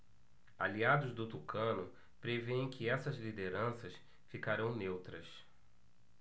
aliados do tucano prevêem que essas lideranças ficarão neutras